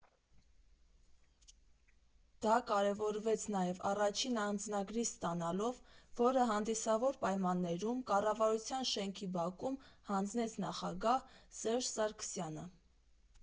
Դա կարևորվեց նաև առաջին անձնագրիս ստանալով, որը հանդիսավոր պայմաններում Կառավարության շենքի բակում հանձնեց նախագահ Սերժ Սարգսյանը։